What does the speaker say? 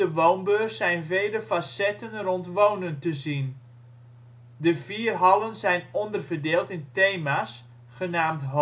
woonbeurs zijn vele facetten rond wonen te zien. De vier hallen zijn onderverdeeld in thema 's genaamd